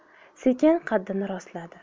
sekin qaddini rostladi